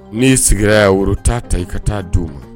N'i sigira yan woro10 ta, i ka taa d'u ma.